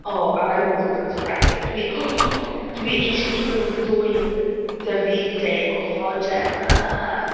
Oh and I want them to wreck it. Dwi ... ie ...dwi eisiau un o nhw dwyn Davide off o Gemma.